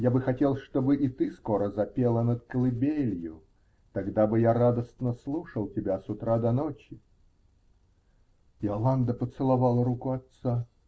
Я бы хотел, чтобы и ты скоро запела над колыбелью -- тогда бы я радостно слушал тебя с утра до ночи. Иоланда поцеловала руку отца.